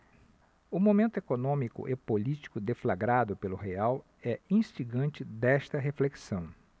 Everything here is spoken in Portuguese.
o momento econômico e político deflagrado pelo real é instigante desta reflexão